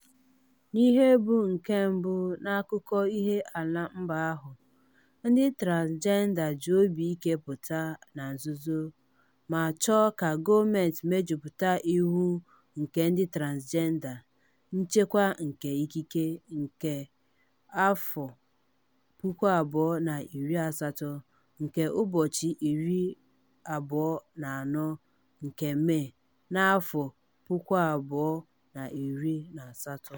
N'ihe bụ nke mbụ n'akụkọ ihe ala mba ahụ, ndị Transịjenda ji obi ike pụta na nzuzo ha ma chọọ ka Gọọmentị mejupụta Iwu nke Ndị Transịjenda (Nchekwa nke Ikike) nke 2018, nke ụbọchị 24 nke Mee, 2018.